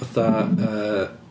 fatha yy